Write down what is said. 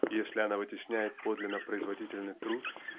и если она вытесняет подлинно производительный труд